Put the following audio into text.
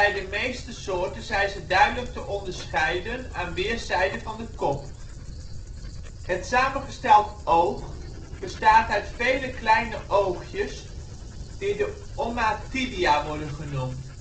de meeste soorten zijn ze duidelijk te onderscheiden aan weerszijden van de kop. Het samengesteld oog bestaat uit vele kleine oogjes die de ommatidia worden genoemd